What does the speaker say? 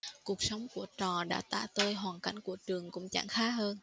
cuộc sống của trò đã tả tơi hoàn cảnh của trường cũng chẳng khá hơn